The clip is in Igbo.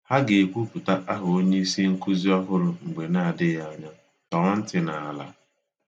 Ha ga ekwupụta aha onyiisi nkuzi ohụrụ mgbe na-adịghị anya, tọọ ntị n'ala